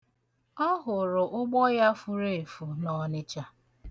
Ọ hụrụ ụgbọ ya furu efu n' Ọnịcha.